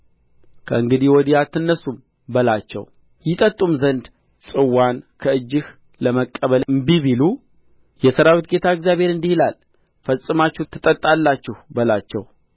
ከእንግዲህም ወዲህ አትነሡም በላቸው ይጠጡም ዘንድ ጽዋውን ከእጅህ ለመቀበል እንቢ ቢሉ የሠራዊት ጌታ እግዚአብሔር እንዲህ ይላል ፈጽማችሁ ትጠጣላችሁ በላቸው